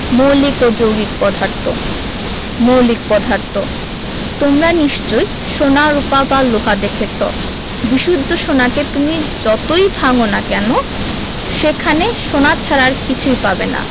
মৌলিক ও যৌগিক পদার্থ মৌলিক পদার্থ তোমরা নিশ্চয় সোনা রুপা বা লোহা দেখেছ বিশুদ্ধ সোনাকে তুমি যতই ভাঙ না কেন সেখানে সোনা ছাড়া আর কিছু পাবে না